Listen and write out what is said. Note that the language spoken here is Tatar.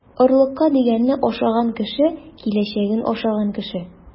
Орлыкка дигәнне ашаган кеше - киләчәген ашаган кеше.